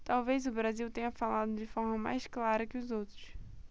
talvez o brasil tenha falado de forma mais clara que os outros